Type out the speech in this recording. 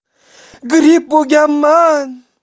gripp bo'lganman